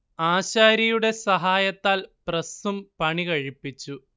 ആശാരിയുടെ സഹായത്താൽ പ്രസ്സും പണികഴിപ്പിച്ചു